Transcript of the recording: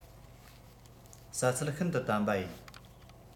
ཟ ཚུལ ཤིན ཏུ དམ པ ཡིན